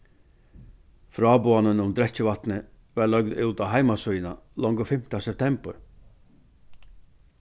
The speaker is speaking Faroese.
fráboðanin um drekkivatnið varð løgd út á heimasíðuna longu fimta septembur